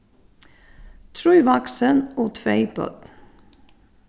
trý vaksin og tvey børn